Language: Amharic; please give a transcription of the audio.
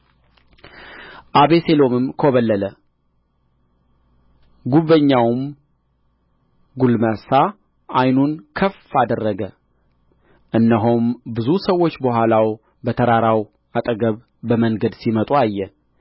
አቤሴሎምም ኰበለለ ጕበኛውም ጕልማሳ ዓይኑን ከፍ አደረገ እነሆም ብዙ ሰዎች በኋላው በተራራው አጠገብ በመንገድ ሲመጡ አየ